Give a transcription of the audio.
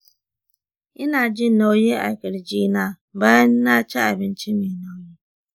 ina jin nauyi a ƙirji na bayan naci abinci mai nauyi.